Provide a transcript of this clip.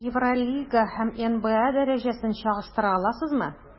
Евролига һәм НБА дәрәҗәсен чагыштыра аласызмы?